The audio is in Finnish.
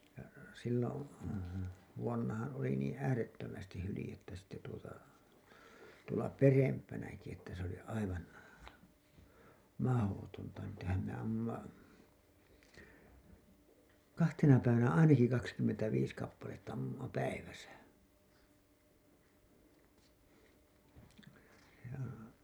ja silloin vuonnahan oli niin äärettömästi hyljettä sitten tuota tuolla perempänäkin että se oli aivan mahdotonta niitähän me ammuimme kahtena päivänä ainakin kaksikymmentäviisi kappaletta ammuimme päivässä joo